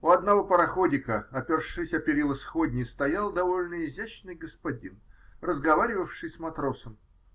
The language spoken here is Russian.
У одного пароходика, опершись о перила сходни, стоял довольно изящный господин, разговаривавший с матросом.